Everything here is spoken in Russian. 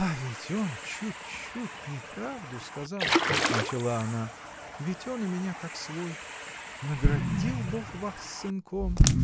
— А ведь он чуть-чуть не правду сказал, — начала она, — ведь он у меня как свой! Наградил Бог вас сынком.